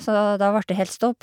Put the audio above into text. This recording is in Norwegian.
Så da da vart det helt stopp.